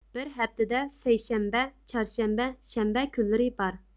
بىر ھەپتىدە سەيشەنبە چارشەنبە شەنبە كۈنلىرى بار